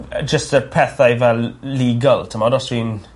yy jyst y pethau fel legal t'mod os dwi'n